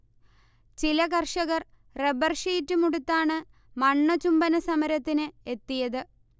ചില കർഷകർ റബ്ബർഷീറ്റും ഉടുത്താണ് മണ്ണ് ചുംബന സമരത്തിന് എത്തിയത്